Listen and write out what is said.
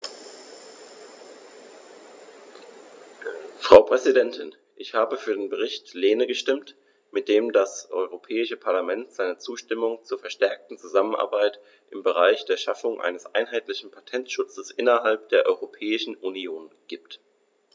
Frau Präsidentin, ich habe für den Bericht Lehne gestimmt, mit dem das Europäische Parlament seine Zustimmung zur verstärkten Zusammenarbeit im Bereich der Schaffung eines einheitlichen Patentschutzes innerhalb der Europäischen Union gibt.